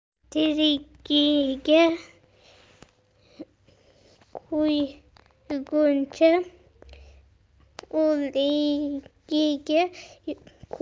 tirigiga kuyguncha o'ligiga kuy